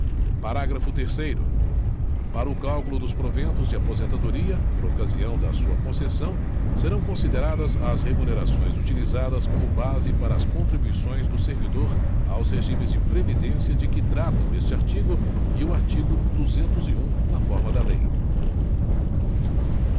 parágrafo terceiro para o cálculo dos proventos de aposentadoria por ocasião da sua concessão serão consideradas as remunerações utilizadas como base para as contribuições do servidor aos regimes de previdência de que tratam este artigo e o artigo duzentos e um na forma da lei